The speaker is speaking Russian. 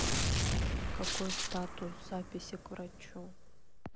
какой статус записи к врачу